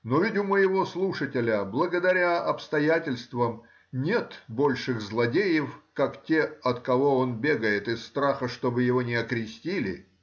но ведь у моего слушателя, благодаря обстоятельствам, нет больших злодеев, как те, от кого он бегает из страха, чтобы его не окрестили